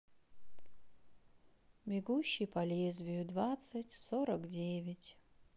бегущий по лезвию двадцать сорок девять